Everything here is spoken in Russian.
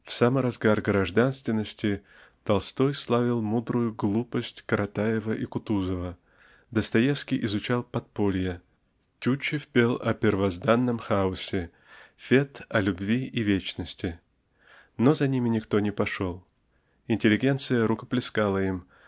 в самый разгар гражданственности Толстой славил мудрую "глупость" Каратаева и Кутузова Достоевский изучал "подполье" Тютчев пел о первозданном хаосе Фет--о любви и вечности. Но за ними никто не пошел. Интеллигенция рукоплескала им